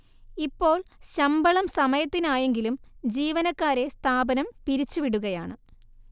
ഇപ്പോൾ ശമ്പളം സമയത്തിനായെങ്കിലും ജീവനക്കാരെ സ്ഥാപനം പിരിച്ചുവിടുകയാണ്